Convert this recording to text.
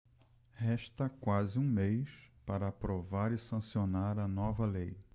resta quase um mês para aprovar e sancionar a nova lei